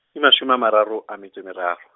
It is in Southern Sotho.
ke mashome a mararo a metso e meraro.